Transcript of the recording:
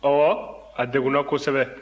ɔwɔ a degunna kosɛbɛ